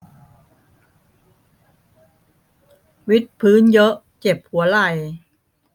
วิดพื้นเยอะเจ็บหัวไหล่